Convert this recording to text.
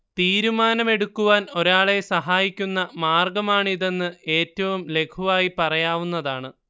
തീരുമാനമെടുക്കുവാൻ ഒരാളെ സഹായിക്കുന്ന മാർഗ്ഗമാണിതെന്ന് ഏറ്റവും ലഘുവായി പറയാവുന്നതാണ്